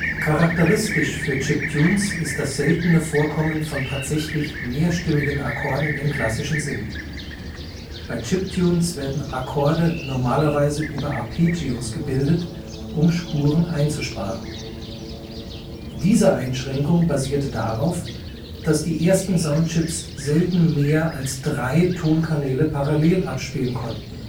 Charakteristisch für Chiptunes ist das seltene Vorkommen von tatsächlich mehrstimmigen Akkorden im klassischen Sinn. Bei Chiptunes werden Akkorde normalerweise über Arpeggios gebildet, um Spuren einzusparen. Diese Einschränkung basiert darauf, dass die ersten Soundchips selten mehr als drei Tonkanäle parallel abspielen konnten